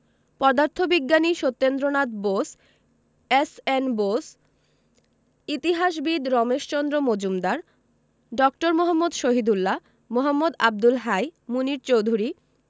পদার্থবিজ্ঞানী Satyendranath Bose S N Bose ইতিহাসবিদ রমেশচন্দ্র মজুমদার ড. মুহাম্মদ শহীদুল্লাহ মোঃ আবদুল হাই মুনির চৌধুরী